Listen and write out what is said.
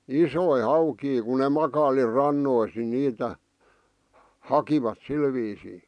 isoja haukia kun ne makaili rannoissa niin niitä hakivat sillä viisiin